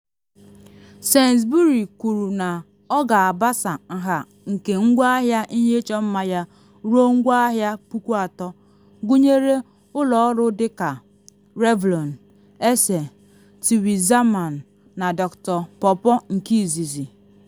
Sainsbury kwuru na ọ ga-abasa nha nke ngwaahịa ihe ịchọ mma ya ruo ngwaahịa 3,000, gụnyere ụlọ ọrụ dị ka Revlon, Essie, Tweezerman na Dr. PawPaw nke izizi.